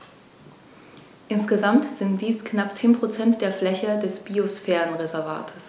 Insgesamt sind dies knapp 10 % der Fläche des Biosphärenreservates.